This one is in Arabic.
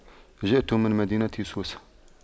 جئت من مدينة سوسة